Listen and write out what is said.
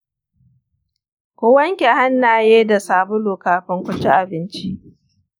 ku wanke hannaye da sabulu kafin ku ci abinci.